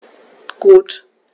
Gut.